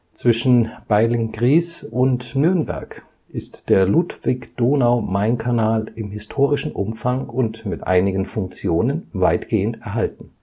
Zwischen Beilngries und Nürnberg ist der Ludwig-Donau-Main-Kanal im historischen Umfang und mit einigen Funktionen weitgehend erhalten